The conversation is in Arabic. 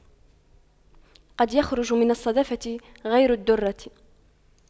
قد يخرج من الصدفة غير الدُّرَّة